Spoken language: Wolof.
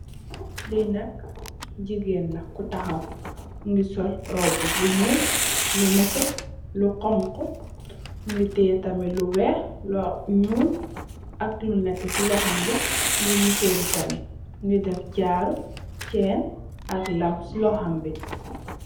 Li nak jigeen la ku taxaw mugii sol róbbu bu ñuul, lu netteh, lu xonxu mugii teyeh tamid lu wèèx lu ñuul ak lu netteh si loxom bi mugii mesor tamid. Mugii def jaru, cèèn ak lam ci loxom bi.